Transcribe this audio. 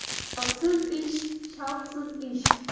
zavqsiz ish shavqsiz ish